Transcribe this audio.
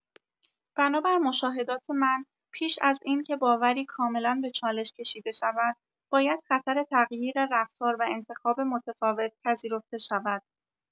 بنا بر مشاهدات من، پیش از اینکه باوری کاملا به چالش کشیده شود، باید خطر تغییر رفتار و انتخاب متفاوت پذیرفته شود.